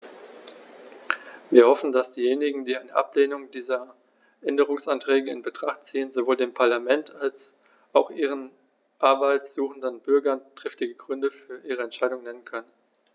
Wir hoffen, dass diejenigen, die eine Ablehnung dieser Änderungsanträge in Betracht ziehen, sowohl dem Parlament als auch ihren Arbeit suchenden Bürgern triftige Gründe für ihre Entscheidung nennen können.